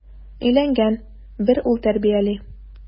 Өйләнгән, бер ул тәрбияли.